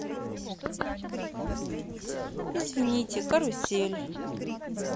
извините карусель